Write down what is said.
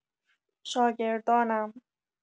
شاگردانم